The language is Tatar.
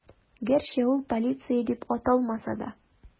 Гәрчә ул полиция дип аталмаса да.